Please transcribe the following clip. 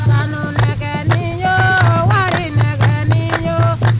sanunɛgɛnin yo warinɛgɛnin yo